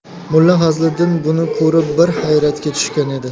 mulla fazliddin buni ko'rib bir hayratga tushgan edi